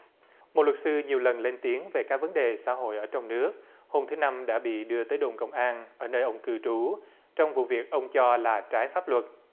một luật sư nhiều lần lên tiếng về các vấn đề xã hội ở trong nước hôm thứ năm đã bị đưa tới đồn công an ở nơi ông cư trú trong vụ việc ông cho là trái pháp luật